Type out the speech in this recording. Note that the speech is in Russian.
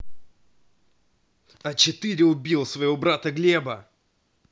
а четыре убил своего брата глеба